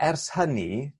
Ers hynny